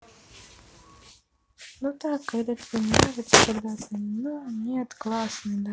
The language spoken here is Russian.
ну так когда тебе нравится когда то нет ну классный да